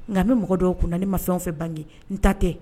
Nka a bi mɔgɔ dɔw kun na , ne ma fɛn fɛn bange n ta tɛ.